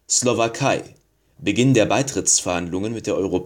Slowakei: Beginn der Beitrittsverhandlungen mit der EU